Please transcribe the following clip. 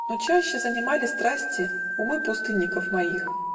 Но чаще занимали страсти Умы пустынников моих.